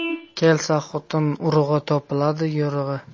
kelsa xotin urug'i topiladi yo'rig'i